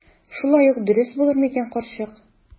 Шулай ук дөрес булыр микән, карчык?